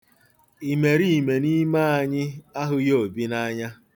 Imeriime n'ime anyị ahụghị Obi n'anya.